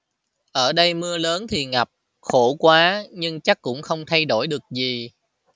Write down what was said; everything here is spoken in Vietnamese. ở đây mưa lớn thì ngập khổ quá nhưng chắc cũng không thay đổi được gì